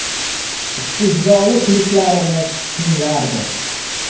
istehzoli kulishlarini tinglardi